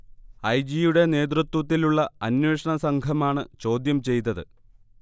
I. G. യുടെ നേതൃത്വത്തിലുള്ള അന്വേഷണ സംഘമാണ് ചോദ്യം ചെയ്തത്